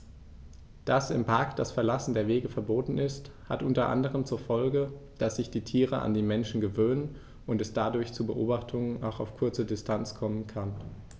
Dass im Park das Verlassen der Wege verboten ist, hat unter anderem zur Folge, dass sich die Tiere an die Menschen gewöhnen und es dadurch zu Beobachtungen auch auf kurze Distanz kommen kann.